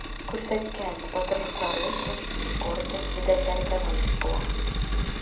Күрсәткән батырлыклары өчен орден-медальләргә лаек була.